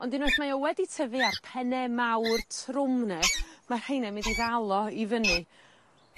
ond unwaith mae o wedi tyfu a'r penne mawr trwm 'ne ma' rheina'n mynd i ddal o i fyny.